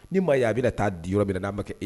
Ni ma ye' a bɛna taa di yɔrɔ min n'a bɛ kɛ e